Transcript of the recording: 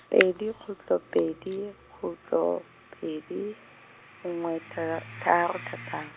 pedi khutlo pedi, khutlo, pedi, nngwe tha- tharo thata.